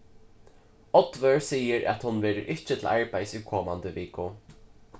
oddvør sigur at hon verður ikki til arbeiðis í komandi viku